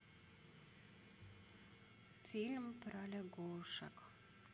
фильм про лягушек